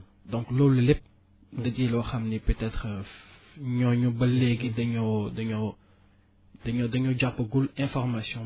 donc loolu lépp nga ji loo xam ni peut être ñooñu ba léegi dañoo dañoo dañoo dañoo jàppagul information